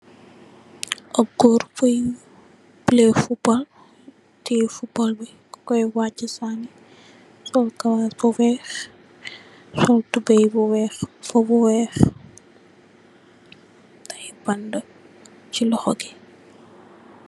Ab goor boi play football tiye foobaal bi mu koi yaja sani sol kawas bu weex sol tubay bu weex short bu weex ay banda si loxo bi.